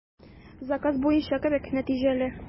Заказ буенча кебек, нәтиҗәле.